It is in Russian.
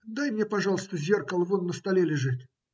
- дай мне, пожалуйста, зеркало вон на столе лежит.